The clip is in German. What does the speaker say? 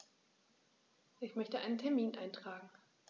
Ich möchte einen Termin eintragen.